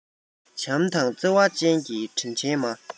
བྱམས དང བརྩེ བ ཅན གྱི དྲིན ཆེན མ